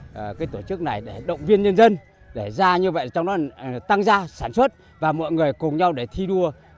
cái tổ chức này để động viên nhân dân để ra như vậy cho nó tăng gia sản xuất và mọi người cùng nhau để thi đua